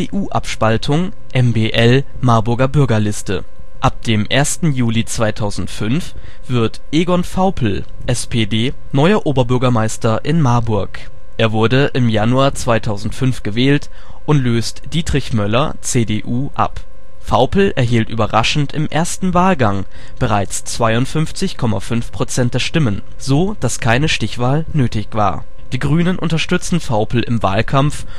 CDU-Abspaltung MBL (Marburger Bürgerliste). Ab dem 1. Juli 2005 wird Egon Vaupel (SPD) neuer Oberbürgermeister in Marburg. Er wurde im Januar 2005 gewählt und löst Dietrich Möller (CDU) ab. Vaupel erhielt überraschend im ersten Wahlgang bereits 52,5 % der Stimmen, so dass keine Stichwahl nötig war. Die Grünen unterstützten Vaupel im Wahlkampf